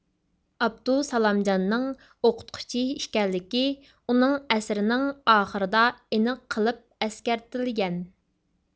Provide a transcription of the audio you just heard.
ئابدۇسالامجاننىڭ ئوقۇتقۇچى ئىكەنلىكى ئۇنىڭ ئەسىرىنىڭ ئاخىرىدا ئېنىق قىلىپ ئەسكەرتىلگەن